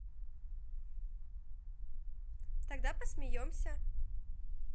тогда посмейся